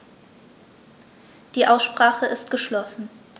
Die Aussprache ist geschlossen.